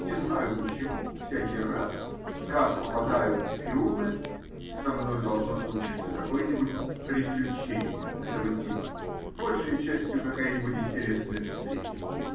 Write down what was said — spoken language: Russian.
Не знаю почему, всякий раз, как попадаю в Фиуме, со мною должно случиться какое-нибудь "приключение" этого типа, большей частью какая-нибудь интересная встреча.